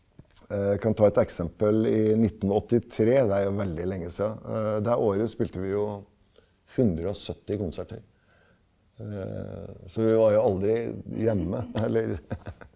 kan ta et eksempel i 1983 det er jo veldig lenge sia, det året spilte vi jo 170 konserter, så vi var jo aldri hjemme eller .